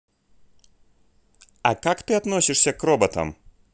а как ты относишься к роботам